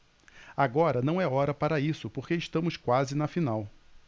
agora não é hora para isso porque estamos quase na final